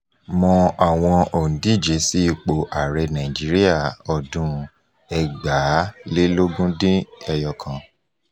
Mọ àwọn òǹdíje sí ipò ààrẹ Nàìjíríà ọdún 2019